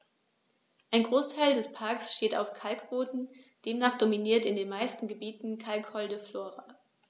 Ein Großteil des Parks steht auf Kalkboden, demnach dominiert in den meisten Gebieten kalkholde Flora.